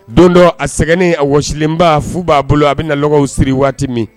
Don dɔ a sɛgɛnnen a wasilenba fu b'a bolo a bɛna na dɔgɔ siri waati min